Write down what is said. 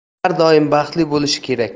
inson har doim baxtli bo'lishi kerak